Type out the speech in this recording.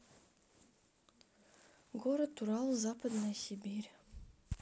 город урал западная сибирь